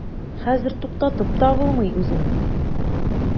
Хәзер туктатып та булмый үзеңне.